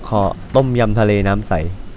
ขอต้มยำทะเลน้ำใส